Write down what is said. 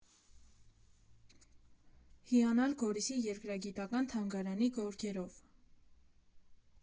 Հիանալ Գորիսի երկրագիտական թանգարանի գորգերով։